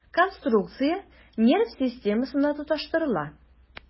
Конструкция нерв системасына тоташтырыла.